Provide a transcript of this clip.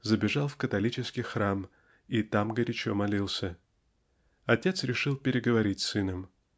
забежал в католический храм и там горячо молился. Отец решил переговорить с сыном.